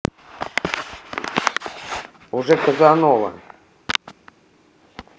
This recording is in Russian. уже casanova